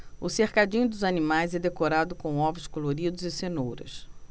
o cercadinho dos animais é decorado com ovos coloridos e cenouras